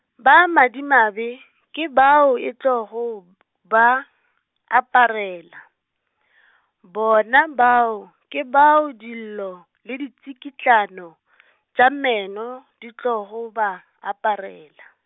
ba madimabe, ke bao e tlogo b- ba aparela , bona bao ke bao dillo, le ditsikitlano , tša meno di tlogo ba, aparela.